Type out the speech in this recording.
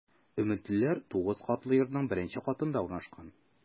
“өметлеләр” 9 катлы йортның беренче катында урнашкан.